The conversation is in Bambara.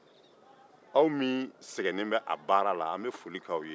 an bɛ foli kɛ aw minnu sɛgɛnnen bɛ a baara la ye